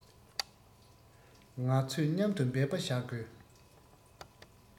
ང ཚོས མཉམ དུ འབད པ བྱ དགོས